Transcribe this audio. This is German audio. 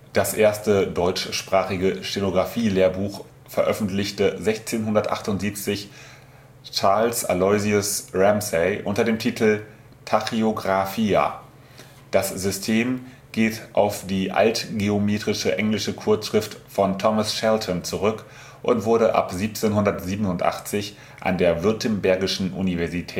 Das erste deutschsprachige Stenografielehrbuch veröffentlichte 1678 Charles Aloysius Ramsay unter dem Titel „ Tacheographia “. Das System geht auf die altgeometrische englische Kurzschrift von Thomas Shelton zurück und wurde ab 1787 an der württembergischen Universität